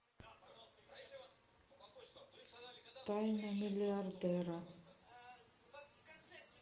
тайна миллиардера